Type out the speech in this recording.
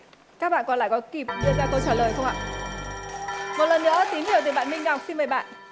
các bạn còn lại có kịp đưa ra câu trả lời không ạ một lần nữa tín hiệu từ bạn minh ngọc xin mời bạn